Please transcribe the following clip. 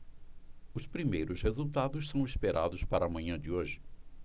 os primeiros resultados são esperados para a manhã de hoje